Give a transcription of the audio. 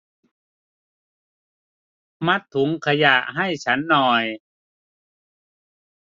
มัดถุงขยะให้ฉันหน่อย